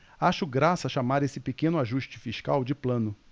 acho graça chamar esse pequeno ajuste fiscal de plano